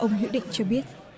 ông hữu định cho biết